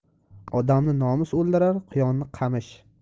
odamni nomus o'ldirar quyonni qamish